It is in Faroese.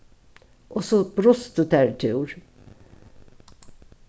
og so brustu tær útúr